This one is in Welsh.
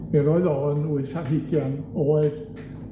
Mi roedd o yn wyth ar hugian oed